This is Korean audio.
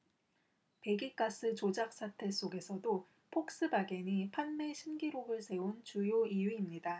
배기가스 조작사태 속에서도 폭스바겐이 판매 신기록을 세운 주요 이유입니다